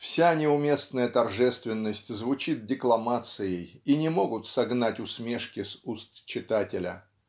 вся неуместная торжественность звучат декламацией и не могут согнать усмешки с уст читателя.